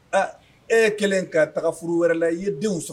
Aa e kɛlen k'a taga furu wɛrɛ la i ye denw sɔrɔ